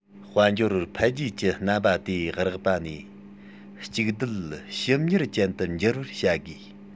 དཔལ འབྱོར འཕེལ རྒྱས ཀྱི རྣམ པ དེ རགས པ ནས གཅིག སྡུད ཞིབ གཉེར ཅན དུ འགྱུར བར བྱ དགོས